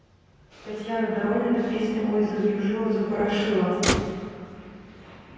татьяна доронина песня ой завьюжило запорошило